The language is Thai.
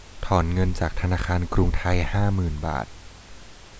ถอนเงินจากธนาคารกรุงไทยห้าหมื่นบาท